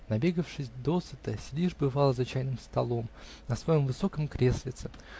Набегавшись досыта, сидишь, бывало, за чайным столом, на своем высоком креслице